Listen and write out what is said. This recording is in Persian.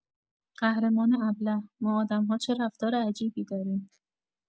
قهرمان ابله ما آدم‌ها چه رفتار عجیبی داریم.